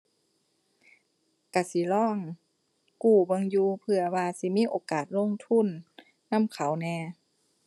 ก็สิลองกู้เบิ่งอยู่ เผื่อว่าสิมีโอกาสลงทุนนำเขาแหน่